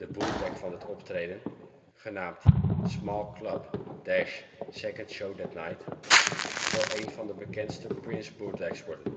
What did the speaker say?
bootleg van dit optreden, genaamd Small Club - 2nd Show That Night, zal een van de bekendste Prince-bootlegs worden